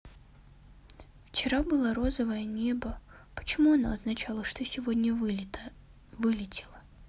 вчера было розовое небо почему оно означало что сегодня вылетело